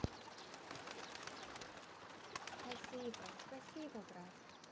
спасибо спасибо брат